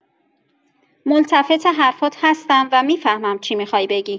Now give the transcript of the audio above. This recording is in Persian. ملتفت حرفات هستم و می‌فهمم چی می‌خوای بگی.